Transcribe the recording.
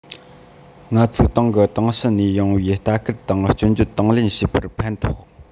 ང ཚོའི ཏང གིས ཏང ཕྱི ནས ཡོང བའི ལྟ སྐུལ དང སྐྱོན བརྗོད དང ལེན བྱེད པར ཕན ཐོགས